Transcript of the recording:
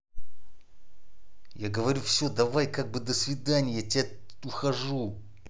я говорю все давай как бы до свидания я тебя от тебя ухожу